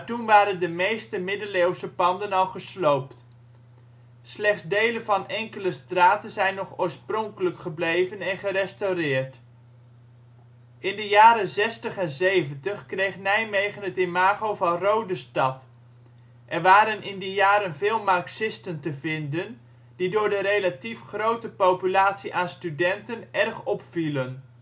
waren de meeste middeleeuwse panden al gesloopt. Slechts (delen van) enkele straten zijn nog oorspronkelijk gebleven en gerestaureerd. In de jaren zestig en zeventig kreeg Nijmegen het imago van rode stad. Er waren in die jaren veel marxisten te vinden die door de relatief grote populatie aan studenten erg opvielen